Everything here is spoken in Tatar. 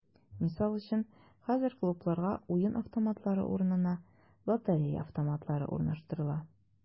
Мисал өчен, хәзер клубларга уен автоматлары урынына “лотерея автоматлары” урнаштырыла.